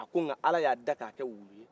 a ko nka ala y'a dan ka kɛ wulu ye